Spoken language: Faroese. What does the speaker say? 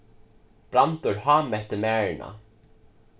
brandur hámetti marina